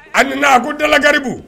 A nana a ko dala garibu